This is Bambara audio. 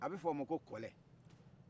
a bɛ f'oma ko kɔlɛ